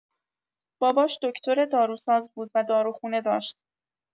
باباش دکتر داروساز بود و داروخونه داشت.